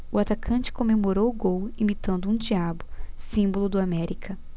o atacante comemorou o gol imitando um diabo símbolo do américa